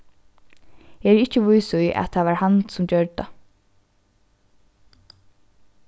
eg eri ikki vís í at tað var hann sum gjørdi tað